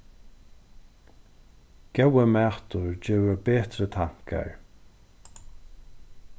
góður matur gevur betri tankar